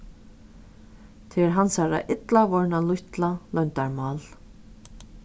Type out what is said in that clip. tað er hansara illavorðna lítla loyndarmál